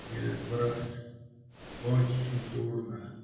Нет, брат, очень дурно.